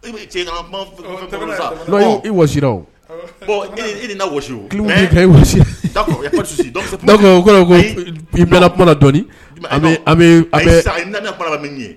Bɛ kuma